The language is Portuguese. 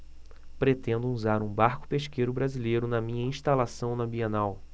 pretendo usar um barco pesqueiro brasileiro na minha instalação na bienal